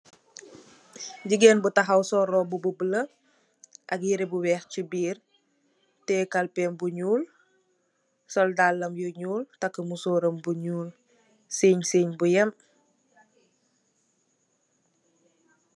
Gigain bu takhaw sol rohbu bu bleu ak yehreh bu wekh chi birr, tiyeh kalpehm bu njull, sol daalam yu njull, taku musorr bu njull, sinngh sinngh bu yemm.